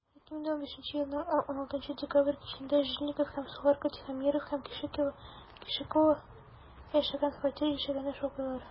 2015 елның 16 декабрь кичендә жильников һәм сухарко тихомиров һәм кешикова яшәгән фатир ишегенә шакыйлар.